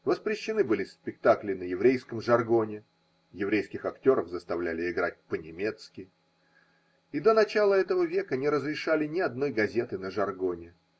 Воспрещены были спектакли на еврейском жаргоне (еврейских актеров заставляли играть по-немецки), и до начала этого века не разрешали ни одной газеты на жаргоне.